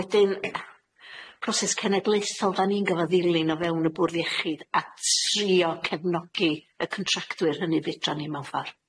Wedyn proses cenedlaethol da ni'n gorfod ddilyn o fewn y bwrdd iechyd a trio cefnogi y contractwyr hynny fedran ni mewn ffor.